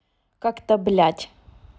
как то блядь